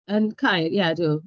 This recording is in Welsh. Yn Caer? Ie, ydw.